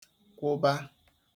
kwụba